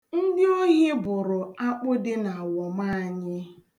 Ndị ohi bụrụ akpụ dị n'awọm anyị.